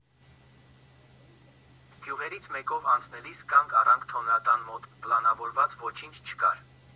Գյուղերից մեկով անցնելիս կանգ առանք թոնրատան մոտ, պլանավորված ոչինչ չկար։